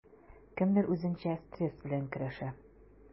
Кемдер үзенчә стресс белән көрәшә.